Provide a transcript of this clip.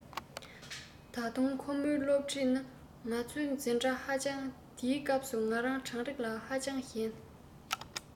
ད དུང ཁོ མོའི སློབ ཁྲིད ནི ང ཚོའི འཛིན གྲྭ ཧ ཅང དེའི སྐབས སུ ང རང གྲངས རིག ལ ཧ ཅང ཞན